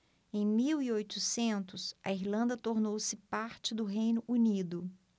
em mil e oitocentos a irlanda tornou-se parte do reino unido